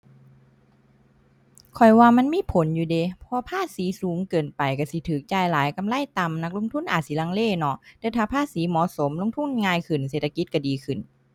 ข้อยว่ามันมีผลอยู่เดะ เพราะภาษีสูงเกินไปก็สิก็จ่ายหลาย กำไรต่ำ นักลงทุนอาจสิลังเลเนาะ แต่ถ้าภาษีเหมาะสม ลงทุนง่ายขึ้น เศรษฐกิจก็ดีขึ้น